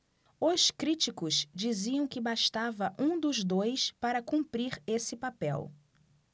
os críticos diziam que bastava um dos dois para cumprir esse papel